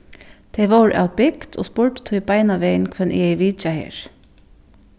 tey vóru av bygd og spurdu tí beinanvegin hvønn eg hevði vitjað her